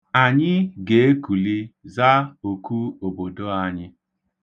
Anyị ga-ekuli, za oku obodo anyị.